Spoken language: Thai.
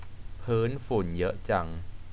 พื้นฝุ่นเยอะจัง